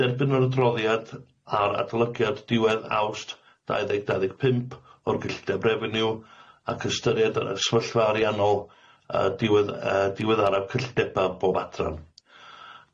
derbyn yr adroddiad ar adolygiad diwedd Awst dau ddeg dau ddeg pump o'r gyllideb revenue ac ystyried yr ysmyllfa ariannol yy diwedd yy diwedd araf cyllideba bob adran.